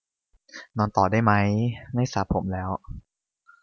นอนต่อได้ไหมไม่สระผมแล้ว